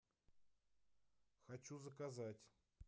хочу заказать